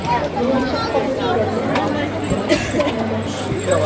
“мине ничек кабул итәрләр” дип бераз шикләнә дә.